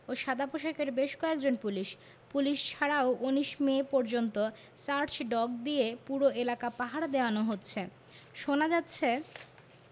ও সাদাপোশাকের বেশ কয়েকজন পুলিশ পুলিশ ছাড়াও ১৯ মে পর্যন্ত সার্চ ডগ দিয়ে পুরো এলাকা পাহারা দেওয়ানো হচ্ছে শোনা যাচ্ছে